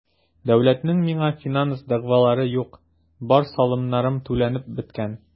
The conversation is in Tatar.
Дәүләтнең миңа финанс дәгъвалары юк, бар салымнарым түләнеп беткән.